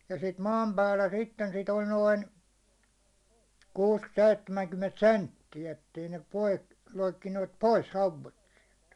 ja sitä maan päällä sitten sitä oli noin kuusi seitsemänkymmentä senttiä että ei ne pois loikkineet pois hauet sieltä